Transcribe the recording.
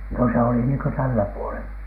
no se oli niin kuin tällä puolen